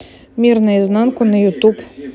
мир наизнанку на ютуб